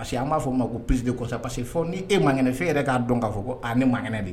Parce que an b'a fɔ min ma ko prise de conscience, parce que fɔlɔ ni e mankɛnɛ fo e yɛrɛ k'a dɔn k'a fɔ aa ne man kɛnɛ de.